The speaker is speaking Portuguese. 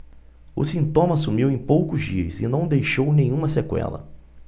o sintoma sumiu em poucos dias e não deixou nenhuma sequela